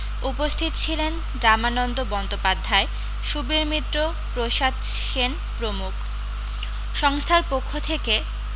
উপস্থিত ছিলেন রামানন্দ বন্দ্যোপাধ্যায় সুবীর মিত্র প্রসাদ সেন প্রমুখ সংস্থার পক্ষ থেকে